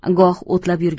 goh o'tlab yurgan